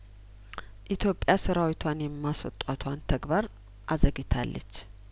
ኢትዮጵያ ሰራዊቷን የማስወጣቷን ተግባር አዘግይታለች